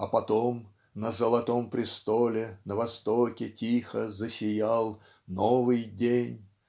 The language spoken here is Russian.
А потом на золотом престоле, На востоке тихо засиял Новый день,